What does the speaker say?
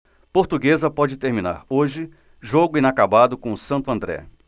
portuguesa pode terminar hoje jogo inacabado com o santo andré